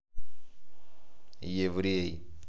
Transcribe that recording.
еврей